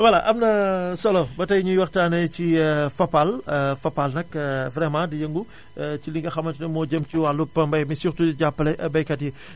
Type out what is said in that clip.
voilà am na solo ba tay ñuy waxtaanee ci Fapal Fapal nag vraiment di yëngu ci li nga xamante ne moo jëm ci wàllu mbay mi surtout jàppale baykat yi